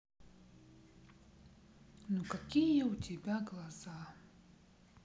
ну какие у тебя глаза